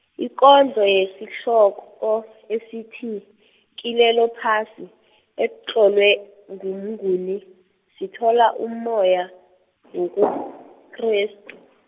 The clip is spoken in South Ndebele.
ikondlo yesihloko esithi, kilelo phasi, etlolwe nguMnguni, sithola ummoya, wobuKrestu.